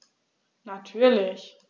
Natürlich.